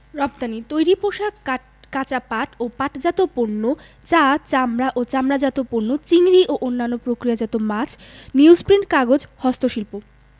রপ্তানি তৈরি পোশাক কাঁচা পাট ও পাটজাত পণ্য চা চামড়া ও চামড়াজাত পণ্য চিংড়ি ও অন্যান্য প্রক্রিয়াজাত মাছ নিউজপ্রিন্ট কাগজ হস্তশিল্প